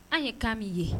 An ye k'mi ye